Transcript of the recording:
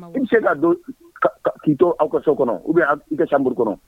I bɛ se ka don k'i tɔ aw ka so kɔnɔ ou bien i ka chambre kɔnɔ